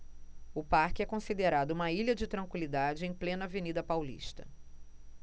o parque é considerado uma ilha de tranquilidade em plena avenida paulista